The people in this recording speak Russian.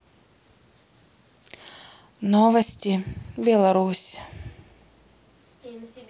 новости беларусь